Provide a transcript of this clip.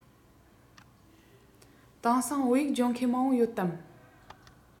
དེང སང བོད ཡིག སྦྱོང མཁན མང པོ ཡོད དམ